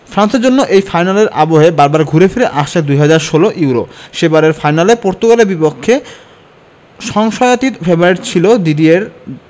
ফ্রান্সের জন্য এই ফাইনালের আবহে বারবার ঘুরে ফিরে আসছে ২০১৬ ইউরো সেবারের ফাইনালে পর্তুগালের বিপক্ষে সংশয়াতীত ফেভারিট ছিল দিদিয়ের